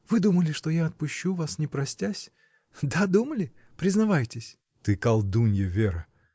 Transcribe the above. — Вы думали, что я отпущу вас, не простясь? Да, думали? Признавайтесь!. — Ты колдунья, Вера.